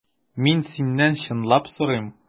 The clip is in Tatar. Мин синнән чынлап сорыйм.